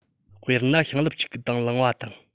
དཔེར ན ཤིང ལེབ ཅིག གི སྟེང ལངས པ དང